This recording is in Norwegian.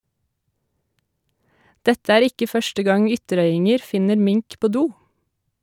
Dette er ikke første gang ytterøyinger finner mink på do.